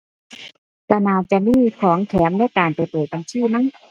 ก็น่าจะมีของแถมในการไปเปิดบัญชีมั้ง